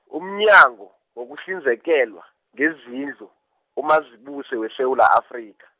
umnyango, wokuhlinzekelwa, ngezindlu, uMazibuse weSewula Afrika.